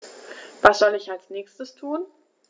Was soll ich als Nächstes tun?